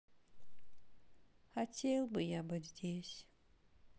хотел бы я быть здесь